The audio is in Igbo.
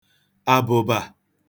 àbụ̀bà